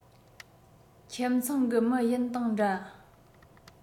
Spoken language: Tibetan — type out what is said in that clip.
ཁྱིམ ཚང གི མི ཡིན དང འདྲ